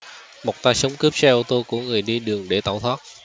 một tay súng cướp xe ô tô của người đi đường để tẩu thoát